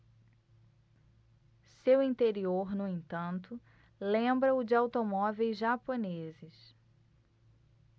seu interior no entanto lembra o de automóveis japoneses